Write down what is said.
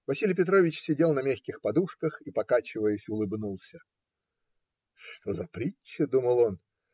Василий Петрович сидел на мягких подушках и, покачиваясь, улыбался. "Что за притча! - думал он.